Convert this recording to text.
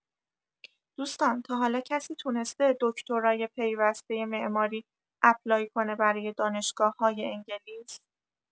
دوستان تاحالا کسی تونسته دکترای پیوسته معماری اپلای کنه برای دانشگاه‌‌های انگلیس؟